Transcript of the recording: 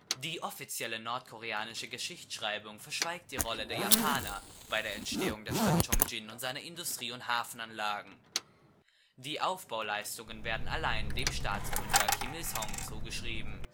Die offizielle nordkoreanische Geschichtsschreibung verschweigt die Rolle der Japaner bei der Entstehung der Stadt Ch’ ŏngjin und seiner Industrie - und Hafenanlagen. Die Aufbauleistungen werden allein dem Staatsgründer Kim Il-sung zugeschrieben